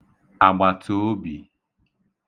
àgbàtòobì